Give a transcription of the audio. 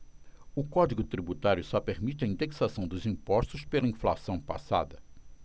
o código tributário só permite a indexação dos impostos pela inflação passada